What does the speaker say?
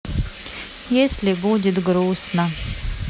если будет грустно